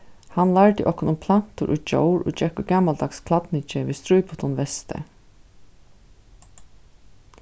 hann lærdi okkum um plantur og djór og gekk í gamaldags klædningi við stríputum vesti